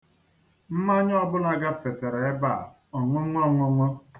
Mmanya ọbụla gafetere ebe a ọṅụṅụ ọṅụṅụ.